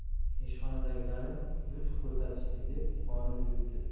ishxonadagilarim lutf ko'rsatishdi deb quvonib yuribdi